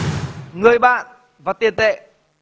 người bạn và tiền tệ